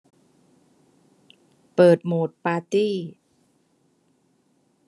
เปิดโหมดปาร์ตี้